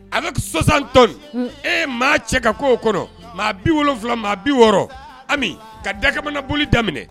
Avec 60 tonnes . Un! E maa cɛ ka k'o kɔnɔ. Maa 70 maa 60, Ami, ka dakabanaboli daminɛ